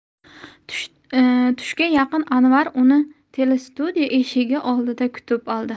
tushga yaqin anvar uni telestudiya eshigi oldida kutib oldi